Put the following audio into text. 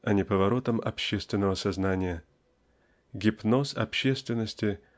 а не поворотом общественного сознания гипноз общественности